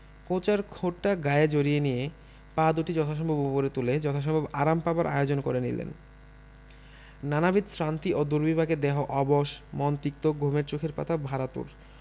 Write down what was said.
কোঁচার খুঁটটা গায়ে জড়িয়ে নিয়ে পা দুটি যথাসম্ভব উপরে তুলে যথাসম্ভব আরাম পাবার আয়োজন করে নিলেন নানাবিধ শ্রান্তি ও দুর্বিপাকে দেহ অবশ মন তিক্ত ঘুমে চোখের পাতা ভারাতুর